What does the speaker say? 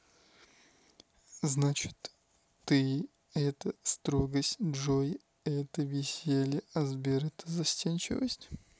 значит ты это строгость джой это веселье а сбер это застенчивость